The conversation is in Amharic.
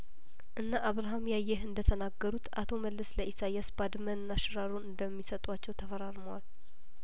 እነ አብርሀም ያየህ እንደተናገሩት አቶ መለስ ለኢሳያስ ባድመንና ሽራሮን እንደሚሰጧቸው ተፈራር መዋል